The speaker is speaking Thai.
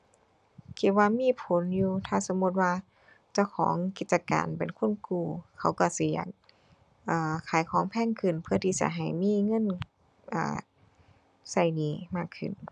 คิดว่ามีผลอยู่ ถ้าสมมุติว่าเจ้าของกิจการเป็นคนกู้ เขาก็สิอยาก เอ่อ ขายของแพงขึ้น เพื่อที่จะให้มีเงิน เอ่อ ก็หนี้มากขึ้น